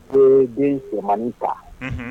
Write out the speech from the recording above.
Den den senmaninin ta